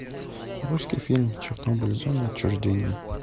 русский фильм чернобыль зона отчуждения